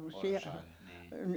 porsaille niin